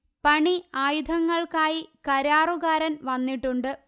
പണി ആയുധങ്ങൾക്കായി കരാറുകാരൻവന്നിട്ടുണ്ട്